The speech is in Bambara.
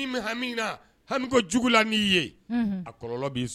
a kɔlɔlɔ b'i sɔrɔ